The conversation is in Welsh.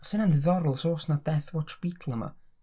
Sa hynna'n ddiddorol os oes 'na death watch beetle yma.